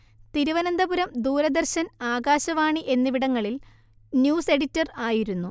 തിരുവനന്തപുരം ദൂരദർശൻ ആകാശവാണി എന്നിവിടങ്ങളിൽ news editor ആയിരുന്നു